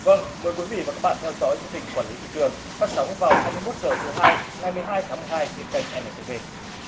vâng mời quý vị và các bạn theo dõi chương trình quản lý thị trường phát sóng vào hai mươi mốt giờ thứ hai ngày mười hai tháng mười hai trên kênh e nờ tê vê